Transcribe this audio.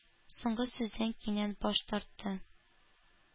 Соңгы сүздән кинәт баш тартты.